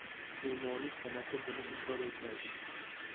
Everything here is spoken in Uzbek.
memorlik sanati buni inkor etmaydi